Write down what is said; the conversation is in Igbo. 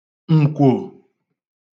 ǹkwò